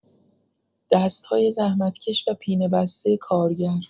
دست‌های زحمت‌کش و پینه‌بسته کارگر